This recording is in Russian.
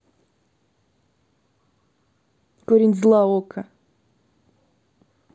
корень зла okko